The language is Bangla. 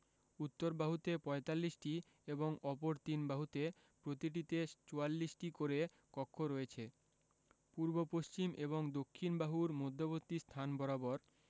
উত্তর বাহুতে ৪৫টি এবং অপর তিন বাহুর প্রতিটিতে ৪৪টি করে কক্ষ রয়েছে পূর্ব পশ্চিম এবং দক্ষিণ বাহুর মধ্যবর্তী স্থান বরাবর